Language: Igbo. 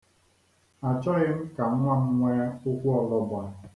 Achọghị m ka nwa m nwee ụkwụologba.